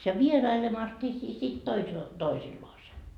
ja vierailemassa niin - sitten - toisillaan